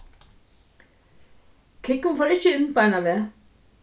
kúgvin fór ikki inn beinanvegin